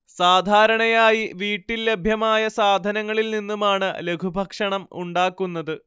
സാധാരണയായി വീട്ടിൽ ലഭ്യമായ സാധനങ്ങളിൽ നിന്നുമാണ് ലഘുഭക്ഷണം ഉണ്ടാക്കുന്നത്